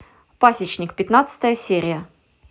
пасечник пятнадцатая серия